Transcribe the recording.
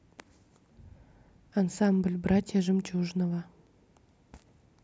ансамбль братья жемчужного